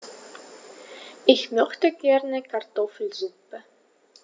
Ich möchte gerne Kartoffelsuppe.